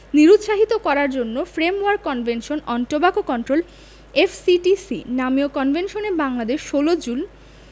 নিরুৎসাহিত করার জন্য framework convention on tobacco control F C T C নামীয় কনভেনশনে বাংলাদেশ ১৬ জুন